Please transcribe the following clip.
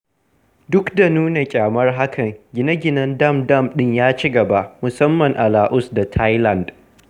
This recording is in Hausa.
Duk da nuna ƙyamar hakan, gine-ginen dam-dam ɗin nan ya ci gaba, musamman a Laos da Thailand.